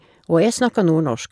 Og jeg snakker nordnorsk.